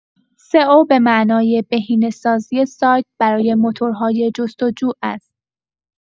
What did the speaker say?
سئو به معنای بهینه‌سازی سایت برای موتورهای جست‌وجو است.